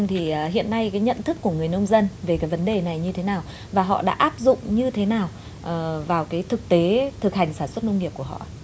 thì hiện nay cái nhận thức của người nông dân về cái vấn đề này như thế nào và họ đã áp dụng như thế nào ờ vào cái thực tế thực hành sản xuất nông nghiệp của họ